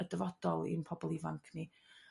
y dyfodol i'n pobl ifanc ni.